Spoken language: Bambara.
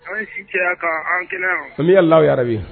Neya la yɛrɛ bi